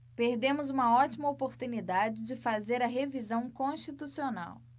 perdemos uma ótima oportunidade de fazer a revisão constitucional